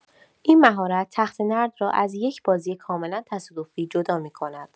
این مهارت، تخته‌نرد را از یک بازی کاملا تصادفی جدا می‌کند.